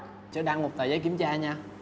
cho đăng một tờ giấy kiểm tra nha